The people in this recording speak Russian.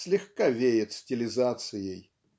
слегка веет стилизацией).